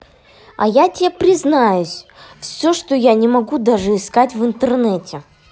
а я тебе признаюсь все что я не могу даже искать в интернете